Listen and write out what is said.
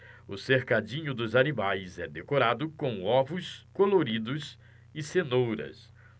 o cercadinho dos animais é decorado com ovos coloridos e cenouras